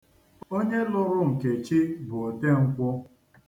Onye lụru Nkechi bụ Otenkwụ.